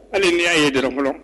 Hali n'i y'a ye dɔrɔn fɔlɔ.